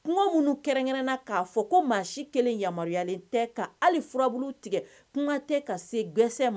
Kuŋo munnu kɛrɛnkɛrɛnna k'a fɔ ko maa si 1 yamaruyalen tɛ ka ali furabulu tigɛ kuma tɛ ka se gɛɛsɛ m